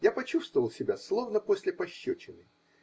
Я почувствовал себя словно после пощечины.